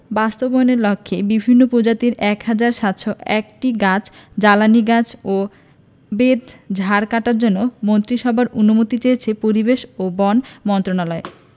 বাস্তবায়নের লক্ষ্যে বিভিন্ন প্রজাতির ১ হাজার ৭০১টি গাছ জ্বালানি গাছ ও বেতঝাড় কাটার জন্য মন্ত্রিসভার অনুমতি চেয়েছে পরিবেশ ও বন মন্ত্রণালয়